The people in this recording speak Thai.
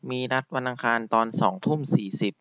มีนัดวันอังคารตอนสองทุ่มสี่สิบ